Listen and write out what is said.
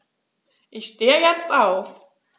Ich stehe jetzt auf.